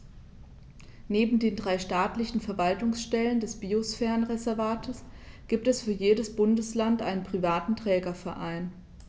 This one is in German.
Neben den drei staatlichen Verwaltungsstellen des Biosphärenreservates gibt es für jedes Bundesland einen privaten Trägerverein.